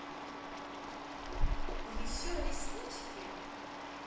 еще реснички